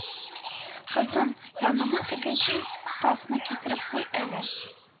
– кызым, яныма теге җиз тасны китереп куй әле, –